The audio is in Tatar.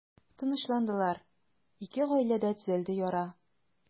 Тынычландылар, ике гаиләдә төзәлде яра.